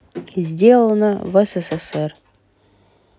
сделано в ссср